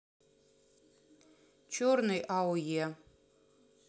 черный ауе